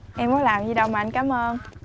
em có làm gì đâu mà anh cám ơn